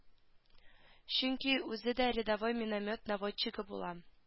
Чөнки үзе дә рядовой миномет наводчигы була